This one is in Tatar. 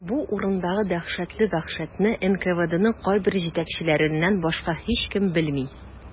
Бу урындагы дәһшәтле вәхшәтне НКВДның кайбер җитәкчеләреннән башка һичкем белми.